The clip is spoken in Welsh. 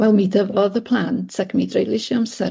Wel mi dyfodd y plant ac mi dreulies i amsar...